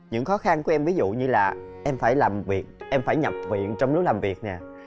những khó khăn của em ví dụ như là em phải làm việc em phải nhập viện trong lúc làm việc nè